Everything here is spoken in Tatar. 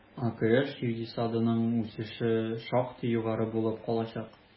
АКШ икътисадының үсеше шактый югары булып калачак.